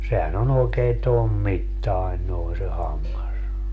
sehän on oikein tuon mittainen noin se hammas